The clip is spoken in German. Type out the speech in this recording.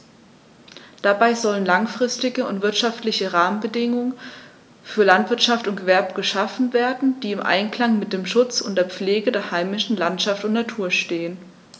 Dabei sollen langfristige und wirtschaftliche Rahmenbedingungen für Landwirtschaft und Gewerbe geschaffen werden, die im Einklang mit dem Schutz und der Pflege der heimischen Landschaft und Natur stehen.